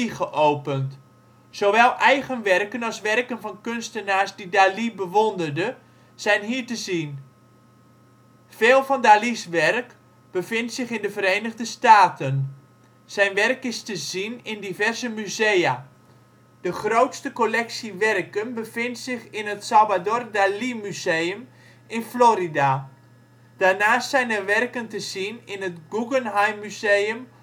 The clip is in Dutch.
geopend. Zowel eigen werken als werken van kunstenaars die Dalí bewonderde, zijn hier te zien. Veel van Dalí 's werk bevindt zich in de Verenigde Staten. Zijn werk is te zien in diverse musea. De grootste collectie werken bevindt zich in het Salvador Dalí Museum in Florida. Daarnaast zijn er werken te zien in het Guggenheim Museum